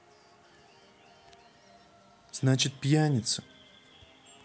значит пьяница